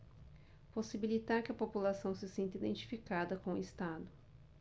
possibilitar que a população se sinta identificada com o estado